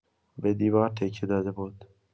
به دیوار تکیه داده بود.